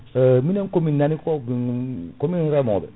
e minen komin nani komin reemoɓe